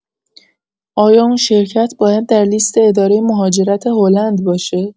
آیا اون شرکت باید در لیست اداره مهاجرت هلند باشه؟